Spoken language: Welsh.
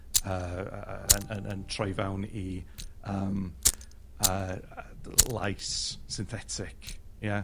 yy yy yn yn yn troi fewn i yym yy yy lais synthetic, ia?